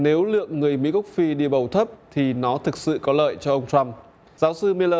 nếu lượng người mĩ gốc phi đi bầu thấp thì nó thực sự có lợi cho ông trăm giáo sư mi lơ